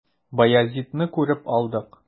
Баязитны күреп алдык.